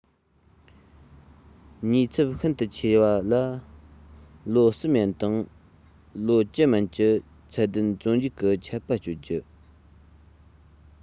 ཉེས ཚབས ཤིན ཏུ ཆེ བ ལ ལོ གསུམ ཡན དང ལོ བཅུ མན གྱི ཚད ལྡན བཙོན འཇུག གི ཆད པ གཅོད རྒྱུ